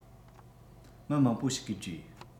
མི མང པོ ཞིག གིས དྲིས